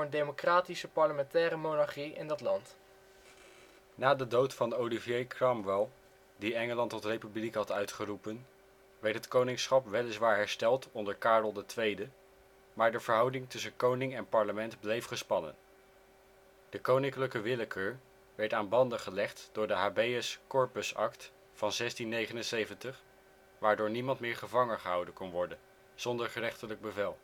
democratische parlementaire monarchie in dat land. Na de dood van Olivier Cromwell, die Engeland tot republiek had uitgeroepen, werd het koningschap weliswaar hersteld onder Karel II, maar de verhouding tussen koning en parlement bleef gespannen. De koninklijke willekeur werd aan banden gelegd door de Habeas Corpus Act van 1679, waardoor niemand meer gevangengehouden kon worden zonder gerechtelijk bevel